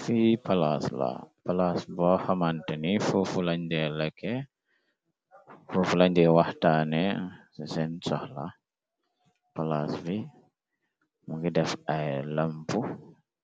Fi palasi la, palaas bu xamante ni fofu len dee lekke , fofu len dee waxtaane ci seen soxla. Palaas bi mu ngi def ay lamp